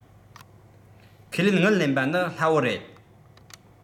ཁས ལེན དངུལ ལེན པ ནི སླ བོར རེད